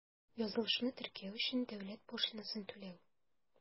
Язылышуны теркәү өчен дәүләт пошлинасын түләү.